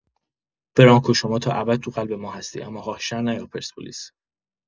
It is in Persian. برانکو شما تا ابد تو قلب ما هستی اما خواهشا نیا پرسپولیس